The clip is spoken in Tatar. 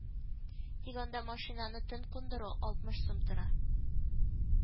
Тик анда машинаны төн кундыру алтмыш сум тора